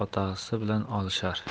otasi bilan olishar